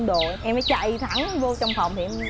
đồ em mới chạy thẳng vô trong phòng thì